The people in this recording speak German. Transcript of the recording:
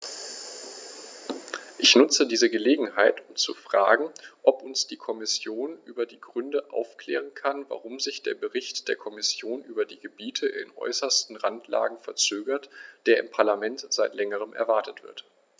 Ich nutze diese Gelegenheit, um zu fragen, ob uns die Kommission über die Gründe aufklären kann, warum sich der Bericht der Kommission über die Gebiete in äußerster Randlage verzögert, der im Parlament seit längerem erwartet wird.